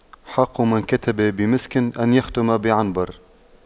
حق من كتب بمسك أن يختم بعنبر